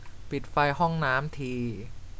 ปิดไฟห้องน้ำที